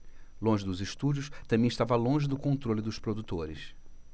longe dos estúdios também estava longe do controle dos produtores